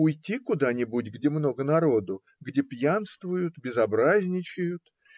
уйти куда-нибудь, где много народа, где пьянствуют, безобразничают.